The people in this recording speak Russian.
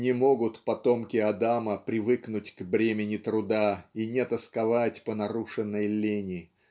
не могут потомки Адама привыкнуть к бремени труда и не тосковать по нарушенной лени